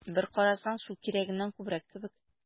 Бер карасаң, су кирәгеннән күбрәк кебек: